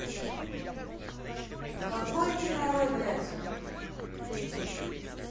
какой ты нарой блядь